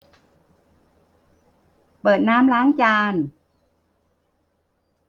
เปิดน้ำล้างจาน